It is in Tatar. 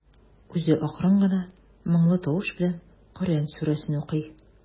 Үзе акрын гына, моңлы тавыш белән Коръән сүрәсен укый.